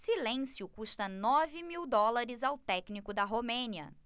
silêncio custa nove mil dólares ao técnico da romênia